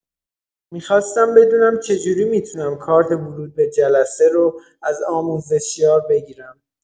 می‌خاستم بدونم چجوری می‌تونم کارت ورود به جلسه رو از آموزشیار بگیرم؟